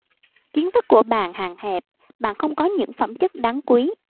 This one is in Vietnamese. kiến thức của bạn hạn hẹp bạn không có những phẩm chất đáng quý